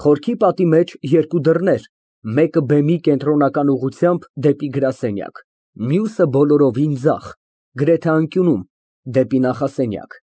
Խորքի պատի մեջ երկու դռներ, մեկը բեմի կենտրոնական ուղղությամբ, դեպի գրասենյակ, մյուսը բոլորովին ձախ, գրեթե անկյունում, դեպի նախասենյակ։